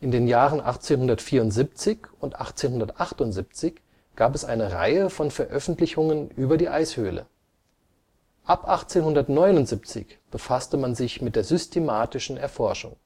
den Jahren 1874 und 1878 gab es eine Reihe von Veröffentlichungen über die Eishöhle. Ab 1879 befasste man sich mit der systematischen Erforschung